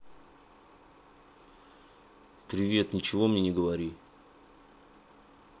привет ничего мне не говори